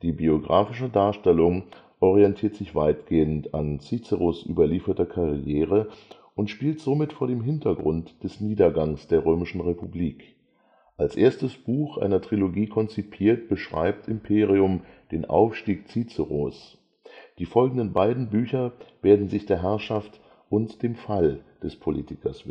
biographische Darstellung orientiert sich weitgehend an Ciceros überlieferter Karriere und spielt somit vor dem Hintergrund des Niedergangs der römischen Republik. Als erstes Buch einer Trilogie konzipiert, beschreibt Imperium den Aufstieg Ciceros. Die folgenden beiden Bücher werden sich der Herrschaft und dem Fall des Politikers widmen